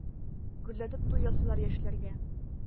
Гөрләтеп туй ясыйлар яшьләргә.